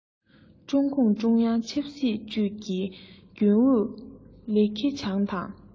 ཀྲུང གུང ཀྲུང དབྱང ཆབ སྲིད ཅུས ཀྱི རྒྱུན ཨུ ལི ཁེ ཆང དང